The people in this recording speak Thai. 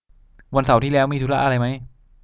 วันเสาร์ที่แล้วมีธุระอะไรมั้ย